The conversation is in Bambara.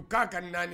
K'a ka naani